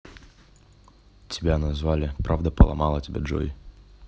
тебя назвали правда поломала тебя джой